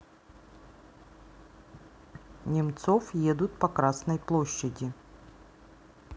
немцов едут по красной площади